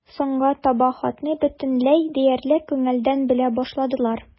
Соңга таба хатны бөтенләй диярлек күңелдән белә башладылар.